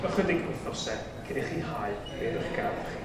ychydig wythnose cyn i chi hau rhei'r 'ych gardd chi.